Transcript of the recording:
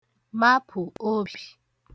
mapụ̀ obì